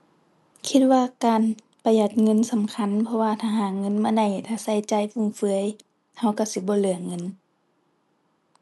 คิดว่าการประหยัดเงินสำคัญ เพราะว่าถ้าหาเงินมาได้ ถ้าใช้จ่ายฟุ่มเฟือย ใช้ใช้สิบ่เหลือเงิน